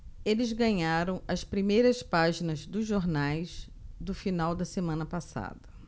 eles ganharam as primeiras páginas dos jornais do final da semana passada